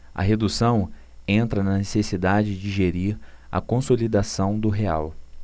a redução entra na necessidade de gerir a consolidação do real